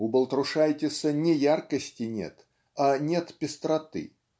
У Балтрушайтиса не яркости нет, а нет пестроты